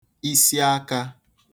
isiakā